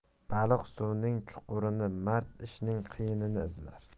baliq suvning chuqurini mard ishning qiyinini izlar